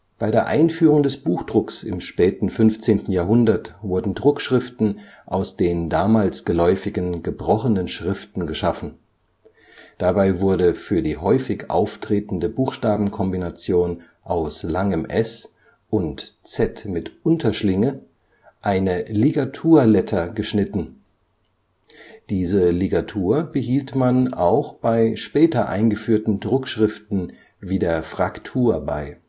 Bei der Einführung des Buchdrucks im späten 15. Jahrhundert wurden Druckschriften aus den damals geläufigen gebrochenen Schriften geschaffen. Dabei wurde für die häufig auftretende Buchstabenkombination aus langem ſ und z mit Unterschlinge („ ſʒ “) eine Ligatur-Letter geschnitten. Diese Ligatur behielt man auch bei später eingeführten Druckschriften wie der Fraktur bei